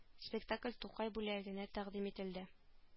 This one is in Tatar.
Спектакль тукай бүләгенә тәкъдим ителде